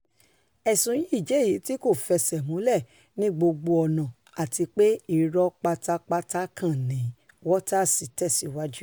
Ẹ̀sùn yìí jẹ èyití kò fẹsẹ̀múlẹ̀ ní gbogbo ọ̀nà àtipé irọ́ pátápátá kan ni,'' Waters tẹ̀síwájú.